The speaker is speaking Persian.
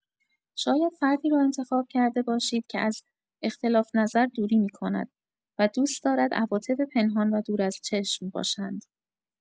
شاید فردی را انتخاب کرده باشید که از اختلاف‌نظر دوری می‌کند و دوست دارد عواطف پنهان و دور از چشم باشند.